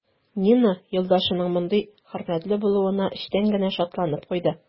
Нина юлдашының мондый хөрмәтле булуына эчтән генә шатланып куйды.